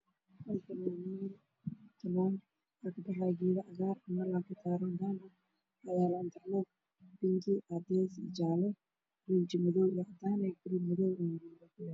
Waa meel beer ah waxaa ka baxayo geedo